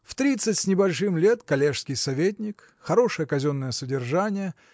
– в тридцать с небольшим лет – коллежский советник хорошее казенное содержание